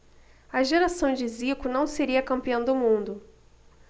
a geração de zico não seria campeã do mundo